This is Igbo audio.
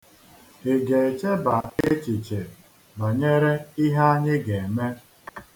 Ị ga-echeba echiche banyere ihe anyị ga-eme?